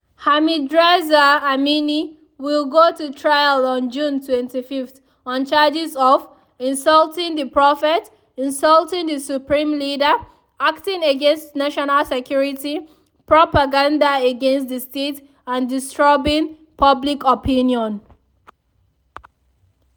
Hamidreza Amini will go to trial on June 25 on charges of “insulting the prophet”, “insulting the supreme leader”, “acting against national security”, “propaganda against the state” and “disturbing public opinion”.